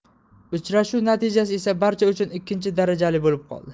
uchrashuv natijasi esa barcha uchun ikkinchi darajali bo'lib qoldi